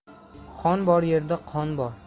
xon bor yerda qon bor